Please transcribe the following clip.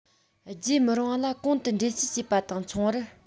བརྗེད མི རུང བ ལ གོང དུ འགྲེལ བཤད བྱས པ དང མཚུངས པར